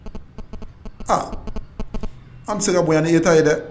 A an bɛ se ka bonyayan ni i ye ta ye dɛ